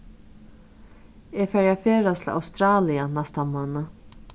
eg fari at ferðast til australia næsta mánað